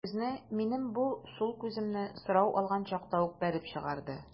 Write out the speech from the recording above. Ә күзне, минем бу сул күземне, сорау алган чакта ул бәреп чыгарды.